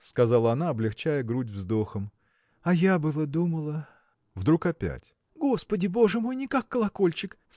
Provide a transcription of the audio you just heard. – сказала она, облегчая грудь вздохом, – а я было думала. Вдруг опять. – Господи, боже мой! никак колокольчик?